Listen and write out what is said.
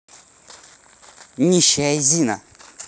нищая зина